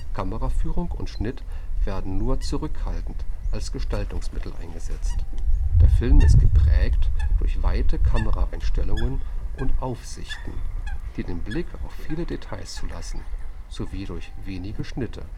Kameraführung und Schnitt werden nur zurückhaltend als Gestaltungsmittel eingesetzt. Der Film ist geprägt durch weite Kameraeinstellungen und Aufsichten, die den Blick auf viele Details zulassen, sowie durch wenige Schnitte